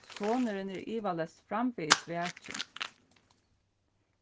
sonurin er ivaleyst framvegis vakin